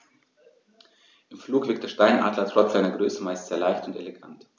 Im Flug wirkt der Steinadler trotz seiner Größe meist sehr leicht und elegant.